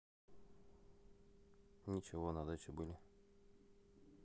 ничего на даче были